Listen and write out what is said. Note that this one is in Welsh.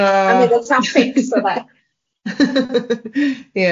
O. A meddwl ta ffics odd e. Ie.